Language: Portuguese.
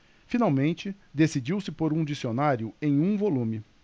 finalmente decidiu-se por um dicionário em um volume